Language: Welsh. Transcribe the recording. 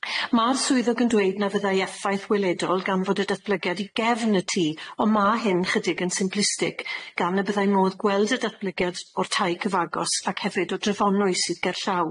Ma'r swyddog yn dweud na fyddai effaith weledol gan fod y datblygiad i gefn y tŷ on ma' hyn chydig yn simplistic, gan y byddai modd gweld y datblygiad o'r tai cyfagos ac hefyd o Drefonwy sydd gerllaw.